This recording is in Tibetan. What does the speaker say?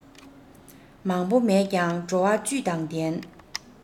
མང པོ མེད ཀྱང བྲོ བ བཅུད དང ལྡན